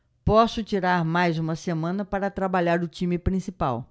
posso tirar mais uma semana para trabalhar o time principal